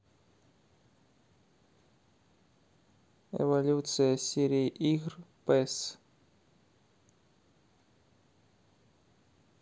эволюция серии игр pes